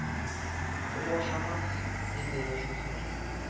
Ул ашамас, - диде яшүсмер.